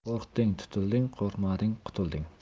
qo'rqding tutilding qo'rqmading qutulding